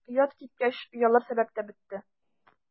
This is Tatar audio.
Оят киткәч, оялыр сәбәп тә бетте.